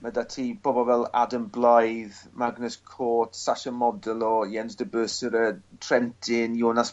ma' 'da ti bobl fel Adam Blythe, Magnes Cort, Sacha Modolo, Jens Debusschere, Trentin, Jonas